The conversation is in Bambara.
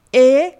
Ee